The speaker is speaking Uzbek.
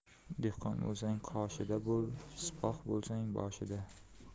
dehqon bo'lsang qoshida bo'l sipoh bo'lsang boshida